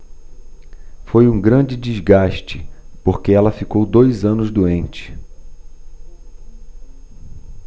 foi um grande desgaste porque ela ficou dois anos doente